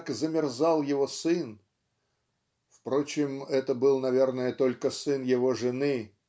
как замерзал его сын (впрочем это был наверное только сын его жены)